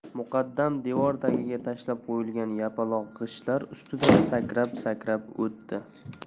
muqaddam devor tagiga tashlab qo'yilgan yapaloq g'ishtlar ustidan sakrab sakrab o'tdi